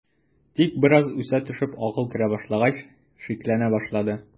Тик бераз үсә төшеп акыл керә башлагач, шикләнә башлады.